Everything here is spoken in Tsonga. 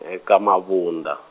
eka Mabunda.